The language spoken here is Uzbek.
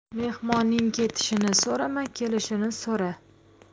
mehmonning ketishini so'rama kelishini so'ra